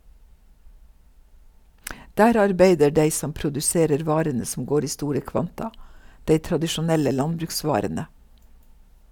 Der arbeider dei som produserer varene som går i store kvanta, dei tradisjonelle landbruksvarene.